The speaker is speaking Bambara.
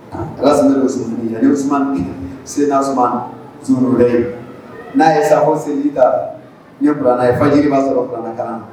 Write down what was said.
Seyidina Usumane Ibarahima na ye safo seliji ta ni kuranɛ ye, fajiri ba sɔrɔ kuranɛ kalan na.